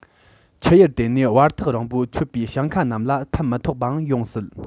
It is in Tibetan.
ཆུ ཡུར དེ ནས བར ཐག རིང པོས ཆོད པའི ཞིང ཁ རྣམས ལ ཕན མི ཐོགས པའང ཡོང སྲིད